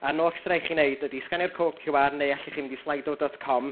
A yn oll sy raid chi wneud ydy sganio'r cod QR, neu allwch chi mynd i slido dot com.